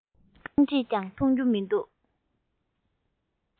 རྐང རྗེས ཀྱང མཐོང དུ མི འདུག